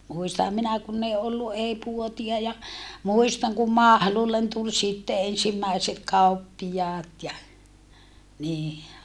muistanhan minä kun ei ollut ei puotia ja muistan kun Mahlulle tuli sitten ensimmäiset kauppiaat ja niin